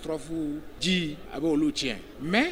Turafuu ji a b'olu tiɲɛ mais